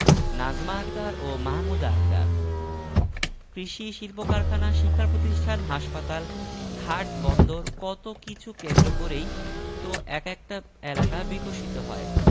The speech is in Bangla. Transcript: নাজমা আক্তার ও মাহমুদা আক্তার কৃষি শিল্পকারখানা শিক্ষাপ্রতিষ্ঠান হাসপাতাল ঘাট বন্দর কত কিছু কেন্দ্র করেই তো এক একটা এলাকা বিকশিত হয়